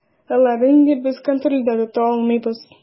Аларын инде без контрольдә тота алмыйбыз.